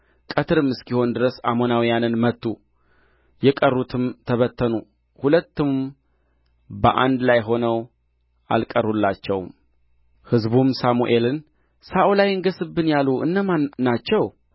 ቀትርም እስኪሆን ድረስ አሞናውያንን መቱ የቀሩትም ተበተኑ ሁለትም በአንድ ላይ ሆነው አልቀሩላቸውም ሕዝቡም ሳሙኤልን ሳኦል አይንገሥብን ያሉ እነማናቸው